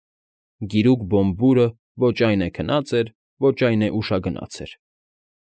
Գիրուկ Բոմբուրը ոչ այն է քնած էր, ոչ այն է ուշագնաց էր։